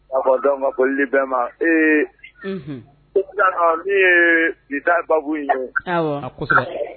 A fɔ dɔw ma koli bɛ ma ee i ee bi taa baabugu in ye